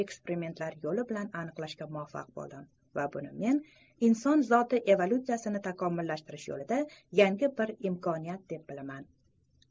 eksperimentlar yo'li bilan aniqlashga muvaffaq bo'ldim va buni men inson zoti evolyutsiyasini takomillashtirish yo'lida yangi bir imkoniyat deb bilaman